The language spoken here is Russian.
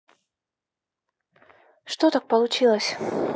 что так получилось